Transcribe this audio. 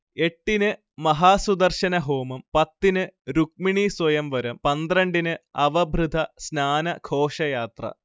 എട്ടിന് മഹാസുദർശനഹോമം, പത്തിന് രുക്മിണീസ്വയംവരം, പന്ത്രണ്ടിന് അവഭൃഥസ്നാന ഘോഷയാത്ര